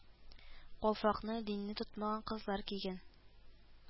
Калфакны динне тотмаган кызлар кигән